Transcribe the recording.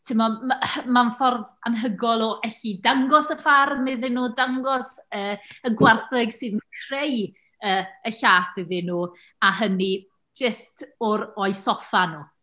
Tmod, m- mae'n ffordd anhygoel o allu dangos y ffarm iddyn nhw, dangos y y gwartheg sy'n creu y y llaeth iddyn nhw, a hynny jyst o'r o'u soffa nhw.